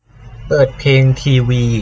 เปิดเพลงทีวี